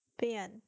เปลี่ยน